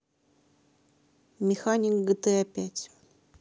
механик гта пять